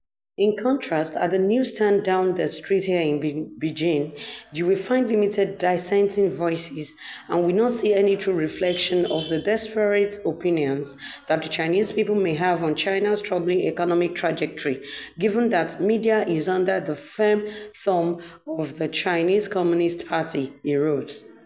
"In contrast, at the newsstand down the street here in Beijing, you will find limited dissenting voices and will not see any true reflection of the disparate opinions that the Chinese people may have on China's troubling economic trajectory, given that media is under the firm thumb of the Chinese Communist Party," he wrote.